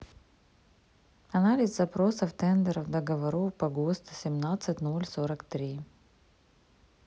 анализ запросов тендеров договоров по госту семнадцать ноль сорок три